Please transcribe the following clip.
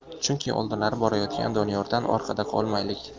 chunki oldinda borayotgan doniyordan orqada qolmaylik